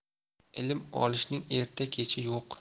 ilm olishning erta kechi yo'q